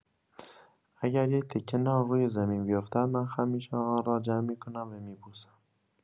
اگر یک تکه نان روی زمین بیفتد من خم می‌شوم آن را جمع می‌کنم و می‌بوسم.